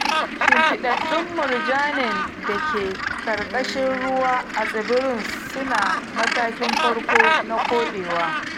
Shimfiɗaɗɗun murjanin da ke ƙarƙashin ruwa a tsibirin su na "Matakin Farko na Koɗewa"